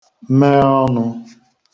me ọnụ̄